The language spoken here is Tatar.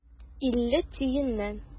Илле тиеннән.